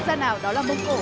gia nào đó là mông cổ